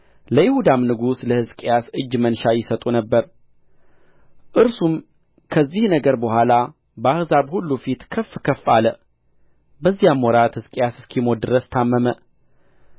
ለይሁዳም ንጉሥ ለሕዝቅያስ እጅ መንሻ ይሰጡ ነበር እርሱም ከዚህ ነገር በኋላ በአሕዛብ ሁሉ ፊት ከፍ ከፍ አለ በዚያም ወራት ሕዝቅያስ እስኪሞት ድረስ ታመመ